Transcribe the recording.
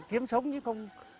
kiếm sống chứ không